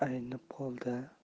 aynib qol di a